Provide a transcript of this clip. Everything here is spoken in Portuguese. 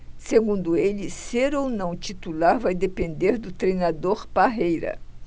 segundo ele ser ou não titular vai depender do treinador parreira